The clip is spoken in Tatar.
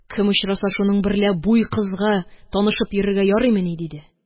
Кем очраса, шуның берлә буй кызга танышып йөрергә ярыймыни? – диде.